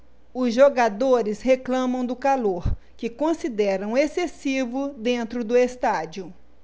os jogadores reclamam do calor que consideram excessivo dentro do estádio